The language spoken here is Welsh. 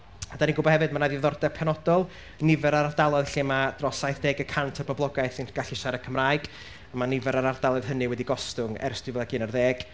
Dan ni'n ni'n gwybod hefyd, ma' 'na ddiddordeb penodol, nifer yr ardaloedd lle ma' dros saithdeg y cant o'r boblogaeth yn gallu siarad Cymraeg, a mae nifer yr ardaloedd hynny wedi gostwng ers dwy fil ac unarddeg.